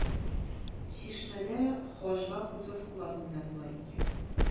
“чишмә”дә хаҗга путевкалар уйнатыла икән.